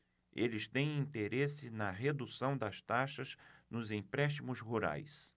eles têm interesse na redução das taxas nos empréstimos rurais